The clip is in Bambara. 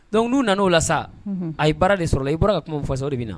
Donc n'u nana oo la sa a ye baara de sɔrɔ i bɔra ka kuma fasosaw de bɛna na